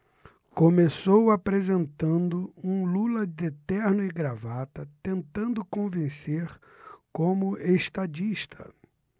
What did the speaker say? começou apresentando um lula de terno e gravata tentando convencer como estadista